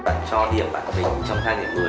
bạn cho điểm bạn mình trong thang